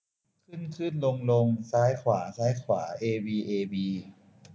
ขึ้นขึ้นลงลงซ้ายขวาซ้ายขวาเอบีเอบี